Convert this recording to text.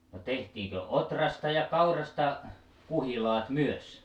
no tehtiinkö ohrasta ja kaurasta kuhilaat myös